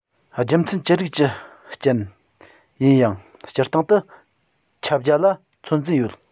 རྒྱུ མཚན ཅི རིགས ཀྱི རྐྱེན ཡིན ཡང སྤྱིར བཏང དུ ཁྱབ རྒྱ ལ ཚོད འཛིན ཡོད